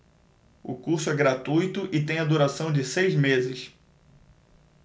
o curso é gratuito e tem a duração de seis meses